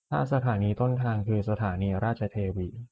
ถ้าสถานีต้นทางคือสถานีราชเทวี